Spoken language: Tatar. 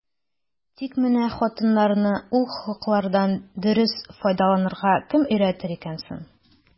Тик менә хатыннарны ул хокуклардан дөрес файдаланырга кем өйрәтер икән соң?